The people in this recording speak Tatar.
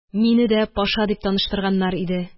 Мине дә Паша дип таныштырганнар иде.